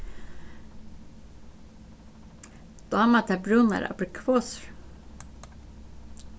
dámar tær brúnar aprikosur